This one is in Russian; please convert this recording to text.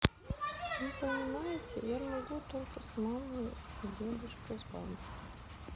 ну понимаете я могу только с мамой и дедушкой с бабушкой